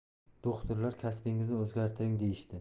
do'xtirlar kasbingizni o'zgartiring deyishdi